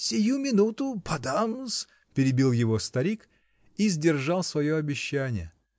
"Сею минуту-с подам-с", -- перебил его старик -- и сдержал свое обещание.